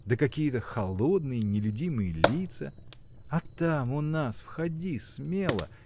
да какие-то холодные, нелюдимые лица. А там, у нас, входи смело